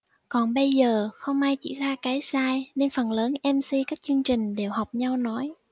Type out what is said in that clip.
còn bây giờ không ai chỉ ra cái sai nên phần lớn mc các chương trình đều học nhau nói